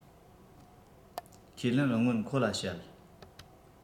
ཁས ལེན སྔོན ཁོ ལ བཤད